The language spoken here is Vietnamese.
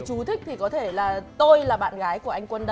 chú thích thì có thể là tôi là bạn gái của anh quân